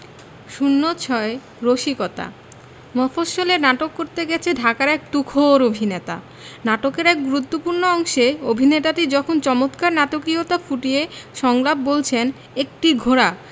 ০৬ রসিকতা মফশ্বলে নাটক করতে গেছে ঢাকার এক তুখোর অভিনেতা নাটকের এক গুরুত্তপূ্র্ণ অংশে অভিনেতাটি যখন চমৎকার নাটকীয়তা ফুটিয়ে সংলাপ বলছেন একটি ঘোড়া